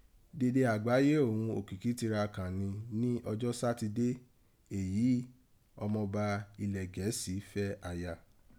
Dede àgbáyé oghun òkíkí ti ra kàn rin ni ọjọ satidé èyí Ọmọọba ilẹ̀ Gẹ̀ẹ́sì fẹ́ aya.